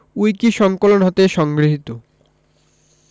উইকিসংকলন হতে সংগৃহীত